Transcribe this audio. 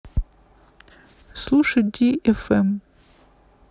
слушать ди фм